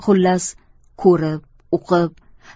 xullas ko'rib uqib